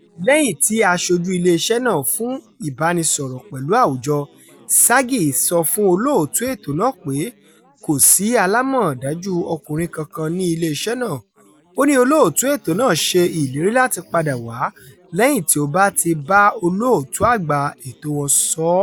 Lẹ́yìn tí aṣojú iléeṣẹ́ náà fún ìbánisọ̀rọ̀ pẹ̀lú àwùjọ, Sergey sọ fún olóòtú ètò náà pé kò sí alámọ̀dájú ọkùnrin kankan ní iléeṣẹ́ naa, ó ní olóòtú ètò náà ṣe ìlérí láti padà wá lẹ́yìn tí ó bá ti bá olóòtú àgbà ètòo wọn sọ ọ́.